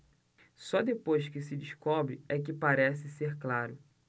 só depois que se descobre é que parece ser claro